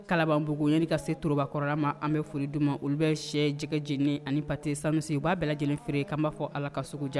Kalabanbugu yan'i ka se torobakɔrɔla ma an be foli d'u ma olu bɛ sɛ jɛgɛ jeninen ani pate sandwich u b'a bɛɛ lajɛlen feere k'an b'a fɔ Ala ka sugu ja